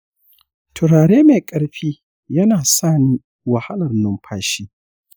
turare mai ƙarfi yana sa ni wahalar numfashi.